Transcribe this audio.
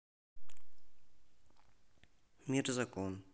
мир закон